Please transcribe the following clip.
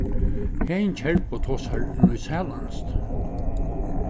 heðin kjærbo tosar nýsælendskt